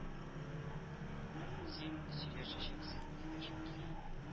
— син сөйләшәчәксең,— диде шакир